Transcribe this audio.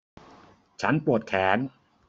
ฉันปวดแขน